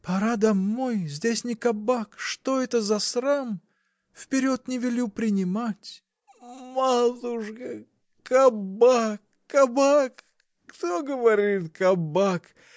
— Пора домой: здесь не кабак — что это за срам! Вперед не велю принимать. — Матушка! кабак! кабак! Кто говорит кабак?